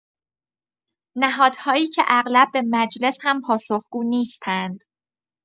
نهادهایی که اغلب به مجلس هم پاسخگو نیستند.